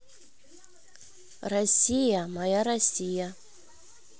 россия моя россия